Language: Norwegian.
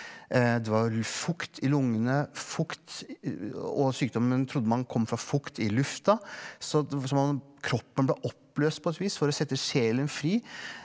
det var fukt i lungene fukt og sykdommen trodde man kom fra fukt i lufta så så kroppen blei oppløst på et vis for å sette sjelen fri.